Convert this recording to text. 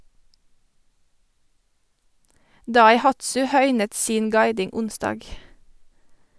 Daihatsu høynet sin guiding onsdag.